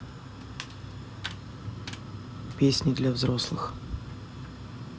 песни для взрослых